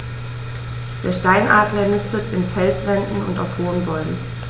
Der Steinadler nistet in Felswänden und auf hohen Bäumen.